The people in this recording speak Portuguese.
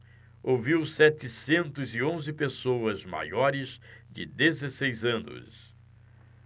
ouviu setecentos e onze pessoas maiores de dezesseis anos